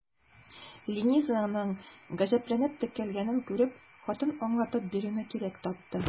Ленизаның гаҗәпләнеп текәлгәнен күреп, хатын аңлатып бирүне кирәк тапты.